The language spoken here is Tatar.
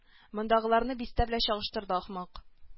Мондагыларны бистә белән чагыштырды ахмак